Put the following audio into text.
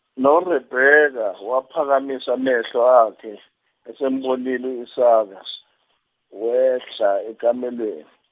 noRebeka waphakamisa amehlo akhe, esembonile Isaka wehla ekamelweni.